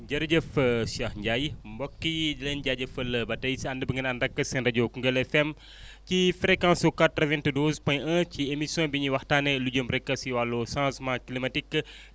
jërëjëf Cheikh Ndiaye mbokk yi di leen jaajëfal ba tey si ànd bi ngeen ànd ak seen rajo Koungheul FM ci fréquence su 92 point 1 ci émission bi ñuy waxtaanee lu jëm rek si wàllu changement climatique